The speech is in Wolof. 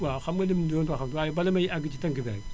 waaw xam nga lim du ngeen ko xam waaye bala may àgg ci tënk bi rek